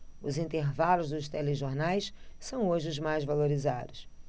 os intervalos dos telejornais são hoje os mais valorizados